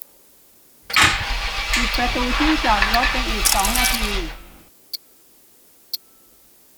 ปิดประตูที่จอดรถในอีกสองนาที